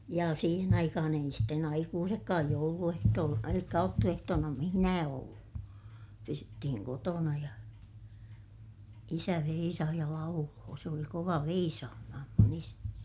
ja siihen aikaan ei sitten aikuisetkaan jouluehtoolla eli aattoehtoona missään ollut pysyttiin kotona ja isä veisasi ja lauloi se oli kova veisaamaan minun isäni